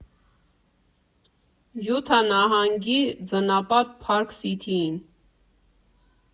Յուտա նահանգի ձնապատ Փարք Սիթիին։